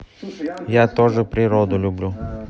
я тоже природу люблю